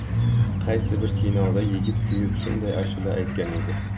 qaysi bir kinoda yigit kuyib shunday ashula aytgan edi